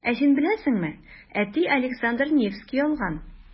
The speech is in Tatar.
Ә син беләсеңме, әти Александр Невский алган.